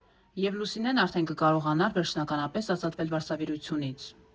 Եվ Լուսինեն արդեն կկարողանար վերջնականապես ազատվել վարսավիրությունից։